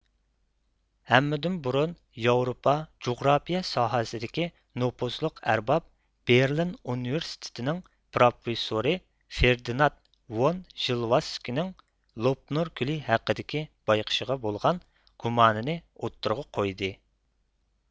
ھەممىدىن بۇرۇن ياۋروپا جۇغراپىيە ساھەسىدىكى نوپۇزلۇق ئەرباب بېرلىن ئۇنىۋېرسىتېتىنىڭ پروفېسسورى فېردىنات ۋون ژېۋالسكىنىڭ لوپنۇر كۆلى ھەققىدىكى بايقىشىغا بولغان گۇمانىنى ئوتتۇرىغا قويدى